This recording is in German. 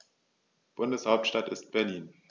Bundeshauptstadt ist Berlin.